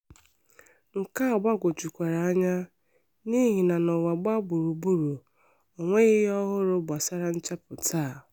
Nke a gbagwojurukwara anya, n'ihi na n'ụwa gbagburu, o nweghị ihe ọhụrụ gbasara nchepụta a.